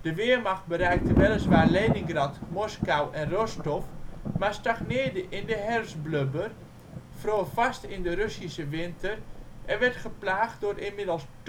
Wehrmacht bereikte weliswaar Leningrad, Moskou en Rostov, maar stagneerde in de herfstblubber, vroor vast in de Russische winter en werd geplaagd door inmiddels